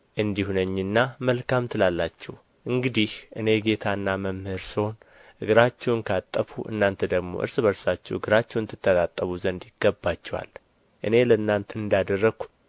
እንዲሁ ነኝና መልካም ትላላችሁ እንግዲህ እኔ ጌታና መምህር ስሆን እግራችሁን ካጠብሁ እናንተ ደግሞ እርስ በርሳችሁ እግራችሁን ትተጣጠቡ ዘንድ ይገባችኋል እኔ ለእናንተ እንዳደረግሁ